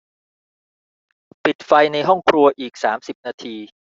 ปิดไฟในห้องครัวอีกสามสิบนาที